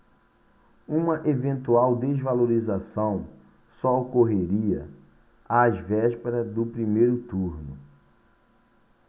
uma eventual desvalorização só ocorreria às vésperas do primeiro turno